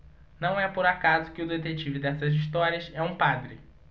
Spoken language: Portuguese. não é por acaso que o detetive dessas histórias é um padre